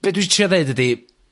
be dwi'n trio ddeud ydi